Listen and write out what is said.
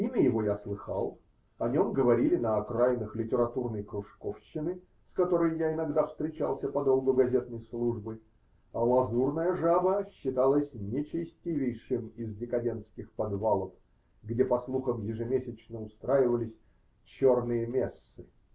Имя его я слыхал, о нем говорили на окраинах литературной кружковщины, с которой я иногда встречался по долгу газетной службы, а "Лазурная Жаба" считалась нечестивейшим из декадентских подвалов, где, по слухам, ежемесячно устраивались черные мессы